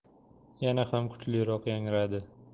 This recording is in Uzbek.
yana ham kuchliroq yangradi